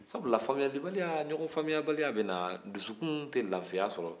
sabu famuyalibaliya ɲɔgɔn famuyalibaliya bɛ na dusukun tɛ lafiya sɔrɔ